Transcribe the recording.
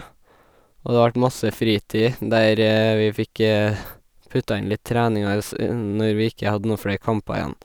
Og det vart masse fritid der vi fikk putta inn litt trening aes når vi ikke hadde noen flere kamper igjen.